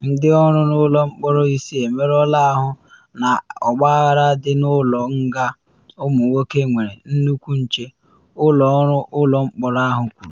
Ndị ọrụ n’ụlọ mkpọrọ isii emerụọla ahụ n’ọgbaghara dị n’ụlọ nga ụmụ nwoke nwere nnukwu nche, Ụlọ Orụ Ụlọ Mkpọrọ ahụ kwuru.